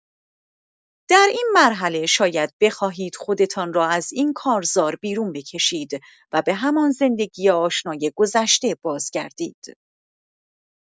در این مرحله شاید بخواهید خودتان را از این کارزار بیرون بکشید و به همان زندگی آشنای گذشته بازگردید.